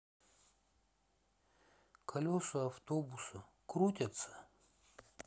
колеса автобуса крутятся